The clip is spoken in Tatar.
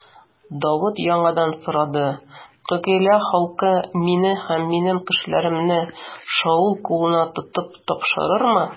Давыт яңадан сорады: Кыгыйлә халкы мине һәм минем кешеләремне Шаул кулына тотып тапшырырмы?